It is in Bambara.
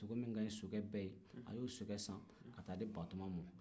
sokɛ min ka ɲi ni sokɛ bɛɛ ye a y'o sokɛ san ka t'a di batoma ma